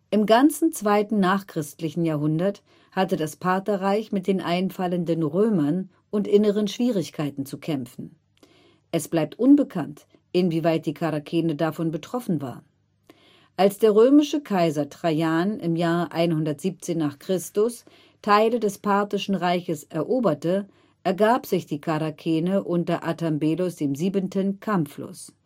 Im ganzen zweiten nachchristlichen Jahrhundert hatte das Partherreich mit den einfallenden Römern und inneren Schwierigkeiten zu kämpfen. Es bleibt unbekannt, inwieweit die Charakene davon betroffen war. Als der römische Kaiser Trajan im Jahr 117 n. Chr. Teile des parthischen Reiches eroberte, ergab sich die Charakene unter Attambelos VII. kampflos